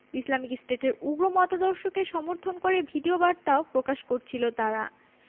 Islamic স্টেটের উগ্র মতাদর্শকে সমর্থন করে ভিডিওবার্তাও প্রকাশ করছিল তারা